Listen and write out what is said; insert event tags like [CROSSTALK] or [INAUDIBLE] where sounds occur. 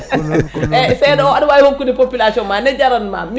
[LAUGHS] eyyi seeɗ aɗa wawi hokkude population ma ne jaranma ɗum